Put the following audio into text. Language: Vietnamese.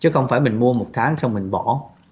chứ không phải mình mua một tháng xong mình bỏ